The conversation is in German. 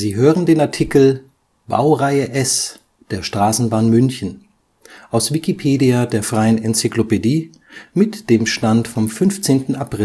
hören den Artikel Baureihe S (Straßenbahn München), aus Wikipedia, der freien Enzyklopädie. Mit dem Stand vom Der